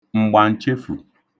m̀gbàǹchefù